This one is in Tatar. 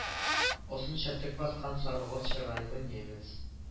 Озынча төк баскан саргылт чырайлы немец